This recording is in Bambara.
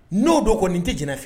N'o don kɔni n tɛ jɛn'a ye f